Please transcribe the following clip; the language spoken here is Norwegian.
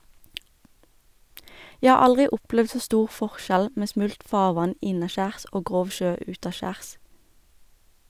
Jeg har aldri opplevd så stor forskjell med smult farvann innaskjærs og grov sjø utaskjærs.